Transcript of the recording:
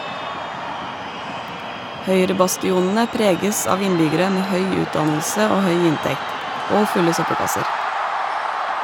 Høyrebastionene preges av innbyggere med høy utdannelse og høy inntekt - og fulle søppelkasser.